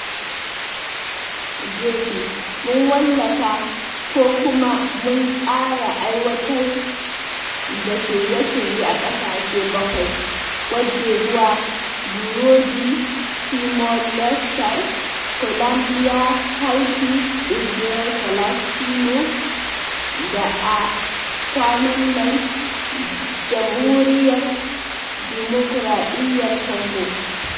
JB: Mun tallafa ko kuma mun tsara aiwatar da shirye-shirye a ƙasashe bakwai: Côte d'Ivoire, Burundi, Timor Leste, Colombia, Haïti, Isra'il-Falastinu, da a kwanan nan Jamhuriyar Dimokuraɗiyyar Kongo.